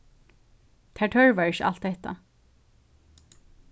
tær tørvar ikki alt hetta